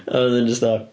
A wedyn jyst fatha...